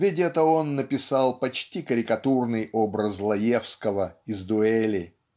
Ведь это он написал почти карикатурный образ Лаевского из "Дуэли"